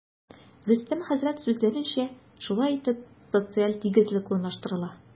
Рөстәм хәзрәт сүзләренчә, шулай итеп, социаль тигезлек урнаштырыла.